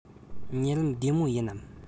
ཉེ ལམ བདེ མོ ཡིན ནམ